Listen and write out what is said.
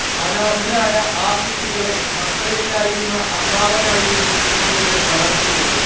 അനാഥരായ ആ കുട്ടികളെ മക്കളില്ലായിരുന്ന അമ്മാവനായിരുന്നു പിന്നീട് വളർത്തിയത്